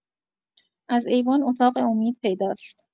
از ایوان، اتاق امید پیداست.